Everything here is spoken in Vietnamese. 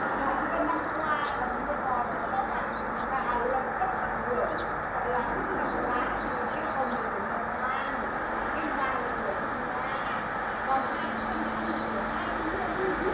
dạ thưa năm qua thần nuôi cò rất tốt ạ dạ lộc bất tận hưởng gọi là chút lộc lá thì cái hồng này của ngọc hoàng cái vàng này của chị nhà còn hai cái xanh xanh này của hai chú đây vui chưa